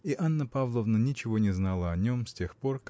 и Анна Павловна ничего не знала о нем с тех пор